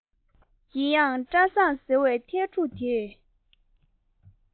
ཡིན ཡང བཀྲ བཟང ཟེར བའི ཐན ཕྲུག དེས